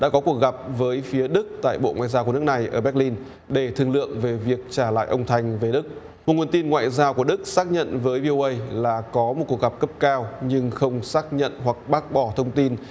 đã có cuộc gặp với phía đức tại bộ ngoại giao của nước này ở béc lin để thương lượng về việc trả lại ông thanh về đức một nguồn tin ngoại giao của đức xác nhận với vi âu ây là có một cuộc gặp cấp cao nhưng không xác nhận hoặc bác bỏ thông tin